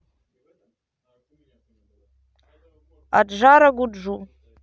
аджара гуджу